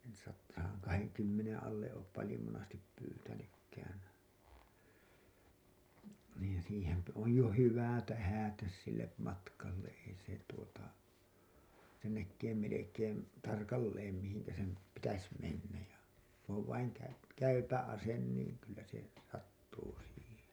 - sadan kahdenkymmenen alle ole paljon monesti pyytänytkään niin siihen on jo hyvä tähdätä sille matkalle ei se tuota sen näkee melkein tarkalleen mihin sen pitäisi mennä ja kun on vain - käypä ase niin kyllä se sattuu siihen